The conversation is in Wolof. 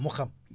mu xam